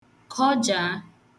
kọjàa